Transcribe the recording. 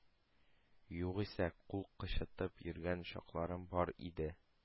Югыйсә, кул кычытып йөргән чакларым бар иде.